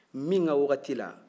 min ka waati la